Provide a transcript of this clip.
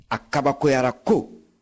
a kabakoyara ko